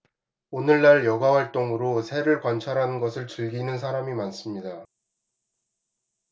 오늘날 여가 활동으로 새를 관찰하는 것을 즐기는 사람이 많습니다